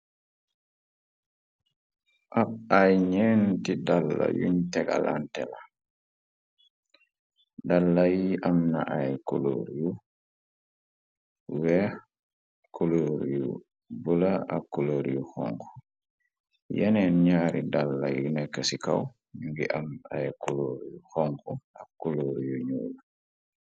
ab ay ñeenti dalla yuñ tegalante la dala yi am na ay kuloor yu weex kuloor yu bu la ak kuloor yu xong yeneen ñaari dala yi nëkk ci kaw ngi am ay kuloor yu xong ak kuloor yu ñuul